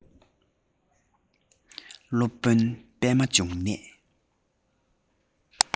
སློབ དཔོན པད མ འབྱུང ནས